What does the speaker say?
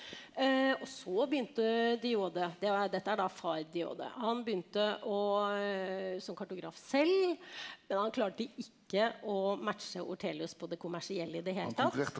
og så begynte de Jode det er dette er da far de Jode han begynte å som kartograf selv, men han klarte ikke å matche Ortelius på det kommersielle i det hele tatt.